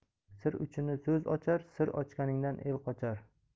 sir uchini so'z ochar sir ochgandan el qochar